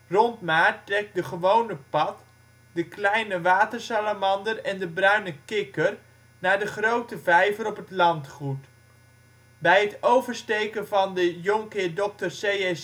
Rond maart trekt de gewone pad, de kleine watersalamander en de bruine kikker naar de grote vijver op het landgoed. Bij het oversteken van de Jhr. Dr. C.J. Sandbergweg